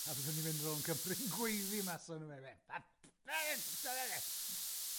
A byddwn ni'n mynd rownd cymru'n d gweiddi mas onno fe yfe?